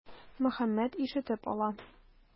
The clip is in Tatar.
Мөхәммәт ишетеп ала.